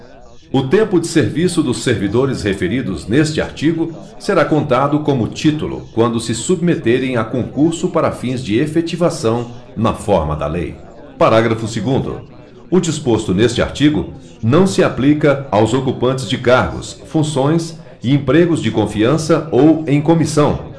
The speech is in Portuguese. o tempo de serviço dos servidores referidos neste artigo será contado como título quando se submeterem a concurso para fins de efetivação na forma da lei parágrafo segundo o disposto neste artigo não se aplica aos ocupantes de cargos funções e empregos de confiança ou em comissão